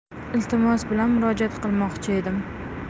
iltimos bilan murojaat qilmoqchi edim